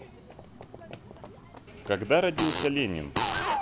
когда родился ленин